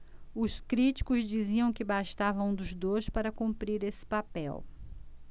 os críticos diziam que bastava um dos dois para cumprir esse papel